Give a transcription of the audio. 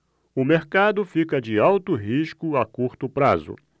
o mercado fica de alto risco a curto prazo